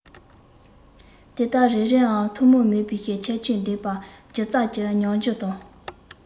དེ དག རེ རེ ལའང ཐུན མོང མིན པའི ཁྱད ཆོས ལྡན པའི སྒྱུ རྩལ གྱི ཉམས འགྱུར དང